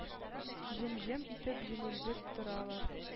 Җем-җем итеп җемелдәп торалар.